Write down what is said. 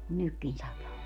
kun nytkin sataa